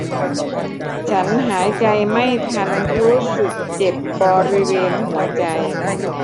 ฉันหายใจไม่ทันรู้สึกเจ็บบริเวณหัวใจ